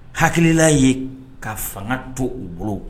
Hala ye ka fanga to u bolo